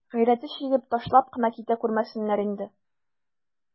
Гайрәте чигеп, ташлап кына китә күрмәсеннәр инде.